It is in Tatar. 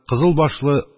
Кызыл башлы